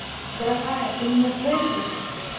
дорогая ты меня слышишь